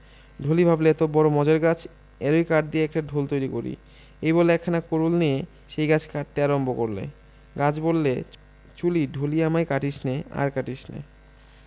ঢুলি ভাবলে এ তো বড়ো মজার গাছ এরই কাঠ দিয়ে একটা ঢোল তৈরি করি এই বলে একখানা কুডুল নিয়ে সেই গাছ কাটতে আরম্ভ করলে গাছ বললে চুলি ঢুলি আমায় কাটিসনে আর কাটিসনে